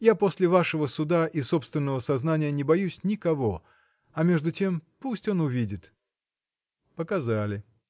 – Я после вашего суда и собственного сознания не боюсь никого а между тем пусть он увидит. Показали.